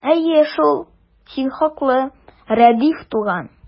Әйе шул, син хаклы, Рәдиф туган!